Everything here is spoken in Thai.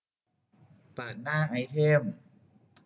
เปิดหน้าไอเท็ม